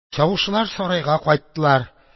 Чавышлар сарайга кайттылар